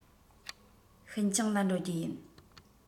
ཤིན ཅང ལ འགྲོ རྒྱུ ཡིན